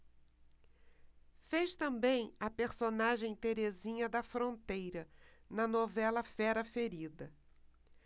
fez também a personagem terezinha da fronteira na novela fera ferida